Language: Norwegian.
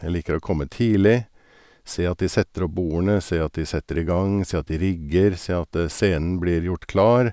Jeg liker å komme tidlig, se at de setter opp bordene, se at de setter i gang, se at de rigger, se at scenen blir gjort klar.